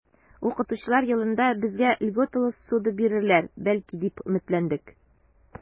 Укытучылар елында безгә льготалы ссуда бирерләр, бәлки, дип өметләндек.